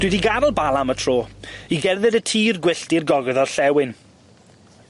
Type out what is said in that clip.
Dwi 'di gad'el Bala am y tro i gerdded y tir gwyllt i'r gogledd orllewin.